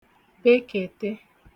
bekètè